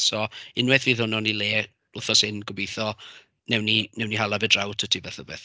So unwaith fydd honno'n ei le, wythnos hyn gobeitho wnawn ni hala fe draw ato ti fath o beth.